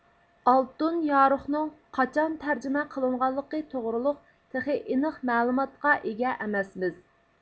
ئالتۇن يارۇقنىڭ قاچان تەرجىمە قىلىنغانلىقى توغرۇلۇق تېخى ئېنىق مەلۇماتقا ئىگە ئەمەسمىز